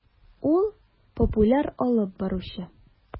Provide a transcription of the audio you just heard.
Ул - популяр алып баручы.